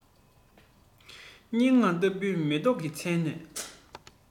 སྙན ངག ལྟ བུའི མེ ཏོག གི ཚལ ནས